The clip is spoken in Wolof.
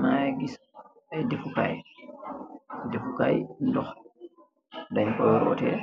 Maangy gis aiiy dehfu kai, dehfu kai ndokh, den koi rohteh,